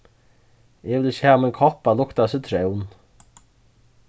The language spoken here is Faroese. eg vil ikki hava mín kopp at lukta av sitrón